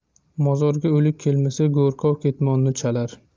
mozorga o'lik kelmasa go'rkov ketmonni chalar